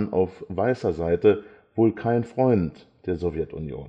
auf „ weißer “Seite wohl kein Freund der Sowjetunion